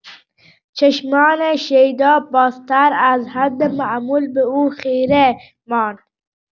چشمان شیدا بازتر از حد معمول به او خیره ماند.